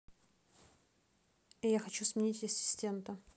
я хочу сменить ассистента